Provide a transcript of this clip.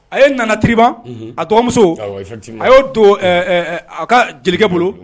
A ye nana tba a dɔgɔmuso a y'o don a ka jelikɛ bolo